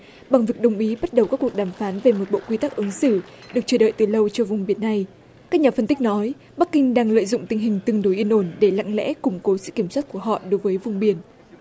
bằng việc đồng ý bắt đầu các cuộc đàm phán về một bộ quy tắc ứng xử được chờ đợi từ lâu cho vùng biển này các nhà phân tích nói bắc kinh đang lợi dụng tình hình tương đối yên ổn để lặng lẽ củng cố sự kiểm soát của họ đối với vùng biển